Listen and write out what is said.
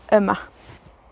Yma.